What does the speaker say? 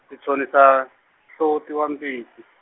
ndzi tshonisa, nhloti wa mbitsi.